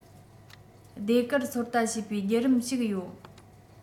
ཟློས གར ཚོད ལྟ བྱེད པའི བརྒྱུད རིམ ཞིག ཡོད